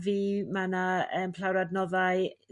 fi ma' 'na yym llawer o adnoddau